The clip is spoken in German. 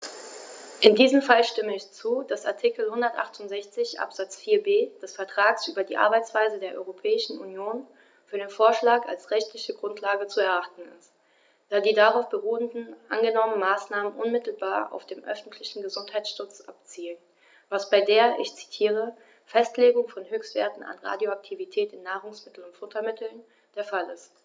In diesem Fall stimme ich zu, dass Artikel 168 Absatz 4b des Vertrags über die Arbeitsweise der Europäischen Union für den Vorschlag als rechtliche Grundlage zu erachten ist, da die auf darauf beruhenden angenommenen Maßnahmen unmittelbar auf den öffentlichen Gesundheitsschutz abzielen, was bei der - ich zitiere - "Festlegung von Höchstwerten an Radioaktivität in Nahrungsmitteln und Futtermitteln" der Fall ist.